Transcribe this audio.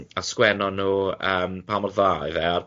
a sgwennon nhw yym pa mor dda oedd e.